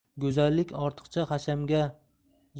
go'zallik ortiqcha hashamga zo oz